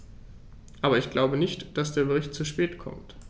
Aber ich glaube nicht, dass der Bericht zu spät kommt.